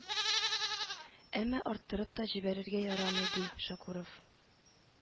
Әмма арттырып та җибәрергә ярамый, ди Шакуров